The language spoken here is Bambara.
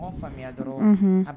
Faamuya dɔrɔn